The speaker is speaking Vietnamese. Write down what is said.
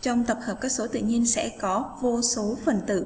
trong tập hợp các số tự nhiên sẽ có vô số phần tử